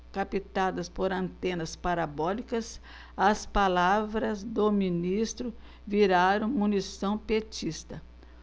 captadas por antenas parabólicas as palavras do ministro viraram munição petista